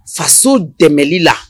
Faso dɛmɛli la